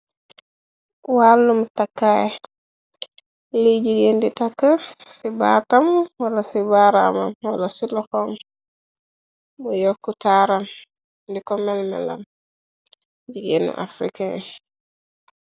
Wàllum takkay li jigéen di takk ci baatam wala ci baramam wala ci loxom bu yokk taram di ko melmelam jigéenu afrikee.